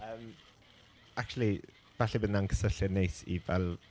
Yym, actually, falle bydd 'na'n cysylltiad neis i fel...